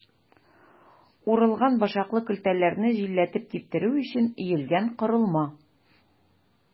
Урылган башаклы көлтәләрне җилләтеп киптерү өчен өелгән корылма.